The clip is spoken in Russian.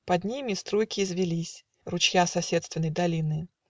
Под ними струйки извились Ручья соседственной долины.